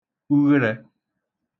ugherē